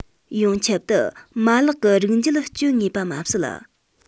ཡོངས ཁྱབ ཏུ མ ལག གི རིགས འབྱེད སྤྱོད ངེས པ མ ཟད